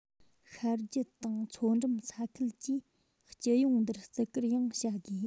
ཤར རྒྱུད དང མཚོ འགྲམ ས ཁུལ གྱིས སྤྱི ཡོངས འདིར བརྩི བཀུར ཡང བྱ དགོས